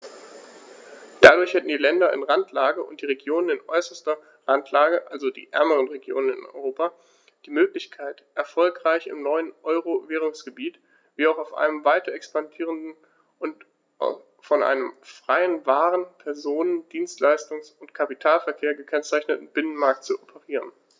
Dadurch hätten die Länder in Randlage und die Regionen in äußerster Randlage, also die ärmeren Regionen in Europa, die Möglichkeit, erfolgreich im neuen Euro-Währungsgebiet wie auch auf einem weiter expandierenden und von einem freien Waren-, Personen-, Dienstleistungs- und Kapitalverkehr gekennzeichneten Binnenmarkt zu operieren.